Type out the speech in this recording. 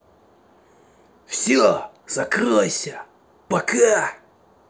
все закройся пока